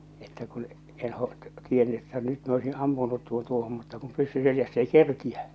että kun en - tiennyt että nyt minä olisin ampunut tuon tuohon mutta kun pyssy selässä ei kerkiä